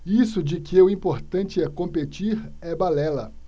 isso de que o importante é competir é balela